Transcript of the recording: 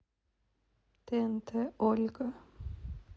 тнт ольга